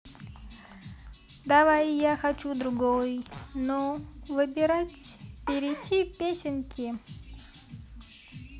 давай я хочу другой но выбирать перейти песенки